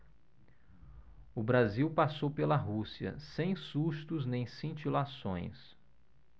o brasil passou pela rússia sem sustos nem cintilações